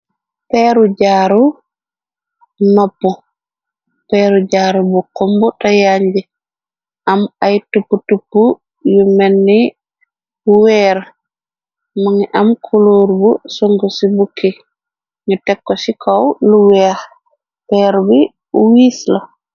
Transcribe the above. peeru jaaru noppo peeru jaaru bu kombu tayaañ ji am ay tup-tup yu menni wéer mëngi am kuluur bu sung ci bukki ñu tekko ci kaw lu wéex feer bi wiisla.